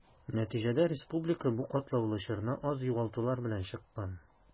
Нәтиҗәдә республика бу катлаулы чорны аз югалтулар белән чыккан.